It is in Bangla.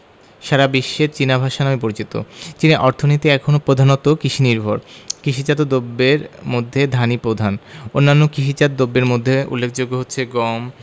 সারা বিশ্বে চীনা ভাষা নামে পরিচিত চীনের অর্থনীতি এখনো প্রধানত কৃষিনির্ভর কৃষিজাত দ্রব্যের মধ্যে ধানই প্রধান অন্যান্য কৃষিজাত দ্রব্যের মধ্যে উল্লেখযোগ্য হচ্ছে গম